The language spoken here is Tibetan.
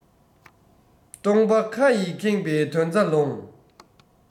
སྟོང པ ཁ ཡིས ཁེངས པའི དོན རྩ ལོངས